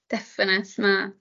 definate ma'